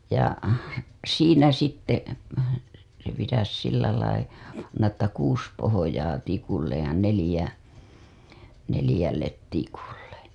ja siinä sitten se pitäisi sillä lailla panna että kuusi pohjaa tikulle ja neljä neljälle tikulle